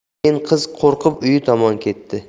keyin qiz qo'rqib uyi tomon ketdi